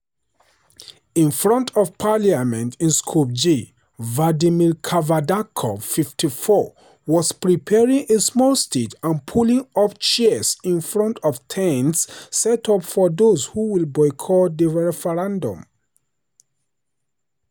In front of parliament in Skopje, Vladimir Kavardarkov, 54, was preparing a small stage and pulling up chairs in front of tents set up by those who will boycott the referendum.